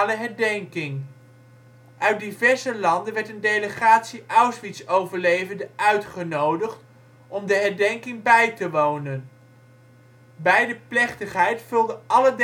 herdenking. Uit diverse landen werd een delegatie Auschwitz-overlevenden uitgenodigd om de herdenking bij te wonen. Bij de plechtigheid vulde alle